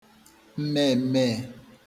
mmeēmmeē